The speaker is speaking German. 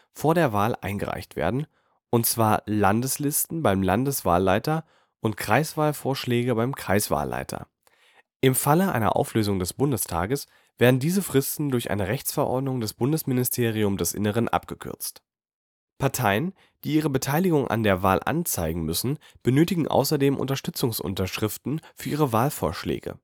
vor der Wahl eingereicht werden, und zwar Landeslisten beim Landeswahlleiter und Kreiswahlvorschläge beim Kreiswahlleiter. Im Falle einer Auflösung des Bundestages werden diese Fristen durch eine Rechtsverordnung des Bundesministeriums des Innern abgekürzt. Parteien, die ihre Beteiligung an der Wahl anzeigen müssen, benötigen außerdem Unterstützungsunterschriften für ihre Wahlvorschläge